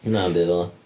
Na, dim byd fel 'na.